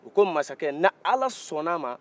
u ko masakɛ ni ala sɔnna a ma